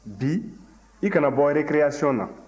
bi i kana bɔ recreation na